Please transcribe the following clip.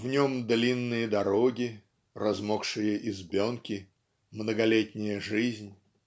"в нем длинные дороги, размокшие избенки, многолетняя жизнь".